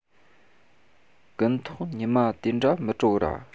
དགུན ཐོག ཉི མ དེ འདྲ མི དྲོ གི ར